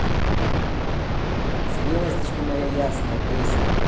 звездочка моя ясная песня